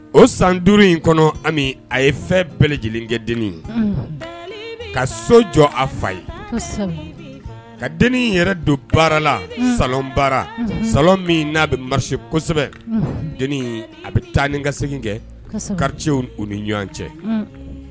O san duuru in kɔnɔ ami a ye fɛn bɛɛ lajɛlen kɛ den ye ka so jɔ a fa ye ka dennin in yɛrɛ don baarala sa bara sa min n'a bɛ ma kosɛbɛ a bɛ taa ni ka segin kɛ kariw u ni ɲɔgɔn cɛ